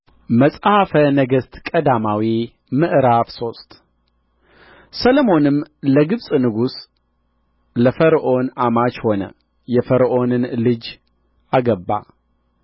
መጽሐፈ ነገሥት ቀዳማዊ ምዕራፍ ሶስት ሰሎሞንም ለግብጽ ንጉሥ ለፈርዖን አማች ሆነ የፈርዖንን ልጅ አገባ